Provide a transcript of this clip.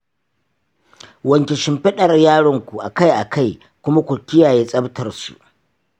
wanke shimfiɗar yaronku a kai a kai kuma ku kiyaye tsaftarsu.